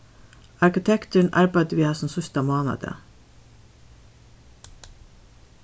arkitekturin arbeiddi við hasum síðsta mánadag